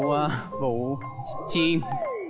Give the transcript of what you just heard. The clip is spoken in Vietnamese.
vụ chim